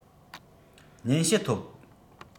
སྙན ཞུ ཐོབ